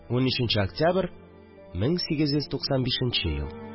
13 нче октябрь, 1895 ел